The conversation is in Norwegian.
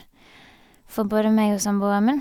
For både meg og samboeren min.